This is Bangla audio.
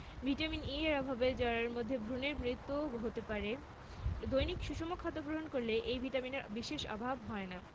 ভিটামিন E এর অভাবে জরায়ুর মধ্যে ভ্রুনের মৃত্যুও হতে পারে দৈনিক সুষম খাদ্য গ্রহণ করলে এই ভিটামিনের বিশেষ অভাব হয় না